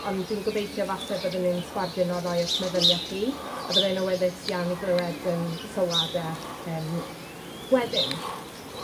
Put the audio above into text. Ond dwi'n gobeithio falle bydden nw'n sbarduno rai o'ch meddylia chi a byddai'n awyddus iawn i glywed yym sylwade yym wedyn.